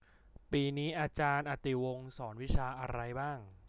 ปีนี้อาารย์อติวงศ์สอนวิชาอะไรบ้าง